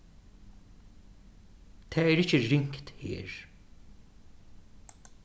tað er ikki ringt her